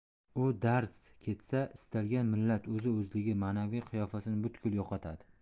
u darz ketsa istalgan millat o'zi o'zligi ma'naviy qiyofasini butkul yo'qotadi